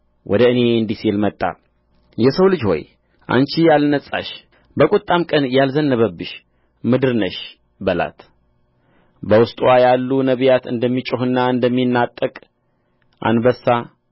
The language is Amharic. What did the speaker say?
ወደ እኔ እንዲህ ሲል መጣ የሰው ልጅ ሆይ አንቺ ያልነጻሽ በቍጣም ቀን ያልዘነበብሽ ምድር ነሽ በላት በውስጥዋ ያሉ ነቢያት እንደሚጮኽና እንደሚናጠቅ አንበሳ